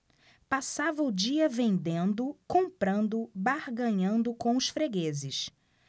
passava o dia vendendo comprando barganhando com os fregueses